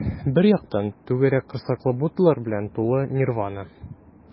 Бер яктан - түгәрәк корсаклы буддалар белән тулы нирвана.